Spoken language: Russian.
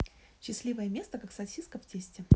счастливое место как сосиска в тесте